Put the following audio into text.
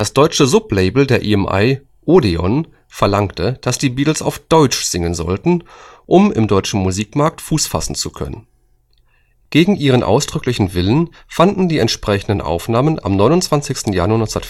deutsche Sublabel der EMI, Odeon, verlangte, dass die Beatles auf Deutsch singen sollten, um im deutschen Musikmarkt Fuß fassen zu können. Gegen ihren ausdrücklichen Willen fanden die entsprechenden Aufnahmen am 29. Januar 1964